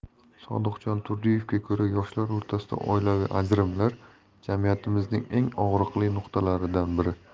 sodiqjon turdiyevga ko'ra yoshlar o'rtasidagi oilaviy ajrimlar jamiyatimizning eng og'riqli nuqtalaridan biri